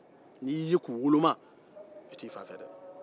n'i y'i ye k'u woloma i t'i fa fɛ dɛ